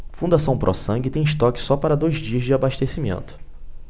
fundação pró sangue tem estoque só para dois dias de abastecimento